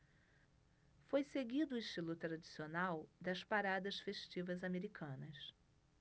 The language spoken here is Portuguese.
foi seguido o estilo tradicional das paradas festivas americanas